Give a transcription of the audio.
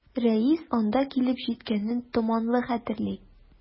Рәис анда килеп җиткәнен томанлы хәтерли.